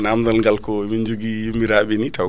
namdal gal ko emin joogui yimmiraɓe ni taw